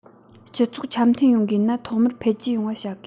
སྤྱི ཚོགས འཆམ མཐུན ཡོང དགོས ན ཐོག མར འཕེལ རྒྱས ཡོང བ བྱ དགོས